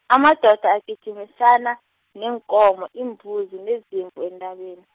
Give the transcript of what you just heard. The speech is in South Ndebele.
amadoda agijimisana, neenkomo, iimbuzi, nezimvu eentabeni.